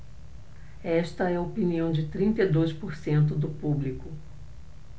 esta é a opinião de trinta e dois por cento do público